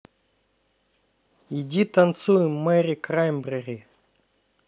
иди танцуем мэри краймбрери